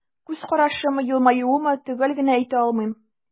Күз карашымы, елмаюмы – төгәл генә әйтә алмыйм.